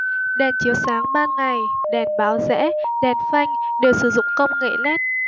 đèn chiếu sáng ban ngày đèn báo rẽ đèn phanh đều sử dụng công nghệ led